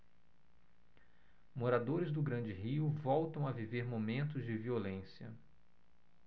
moradores do grande rio voltam a viver momentos de violência